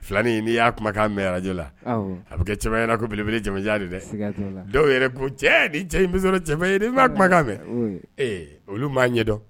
Filanin n'i y'a kumakan mɛn radio la; awɔ; a bɛ kɛ caaman ɲɛna ko belebele janmajan de dɛ; siga t'o la; Dɔw yɛrɛ ko cɛ, ni cɛ in bɛ sɔrɔ cɛba ye dɛ,i ma kumakan mɛn; oui ; ee olu m'a ɲɛdɔn.